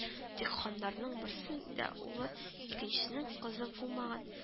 Тик, ханнарның берсен дә улы, икенчесенең кызы булмаган